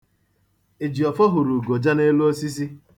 Ejiọfọ hụrụ ugoja n'elu osisi.